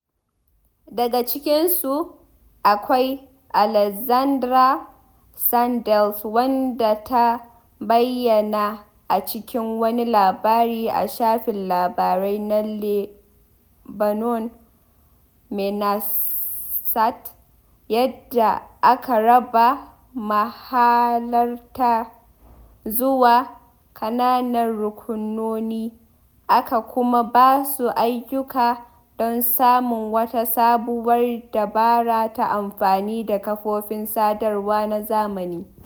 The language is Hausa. Daga cikin su, akwai Alexandra Sandels wadda ta bayyana a cikin wani labari a shafin labarai na Lebanon, Menassat, yadda aka raba mahalarta zuwa ƙananan rukunoni aka kuma basu ayyuka don samo wata sabuwar dabara ta amfani da kafofin sadarwa na zamani.